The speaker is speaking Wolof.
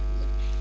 voilà